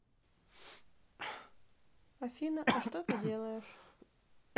афина а что ты делаешь